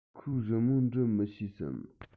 ཁོས རི མོ འབྲི མི ཤེས སམ